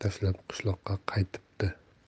tashlab qishloqqa qaytibdi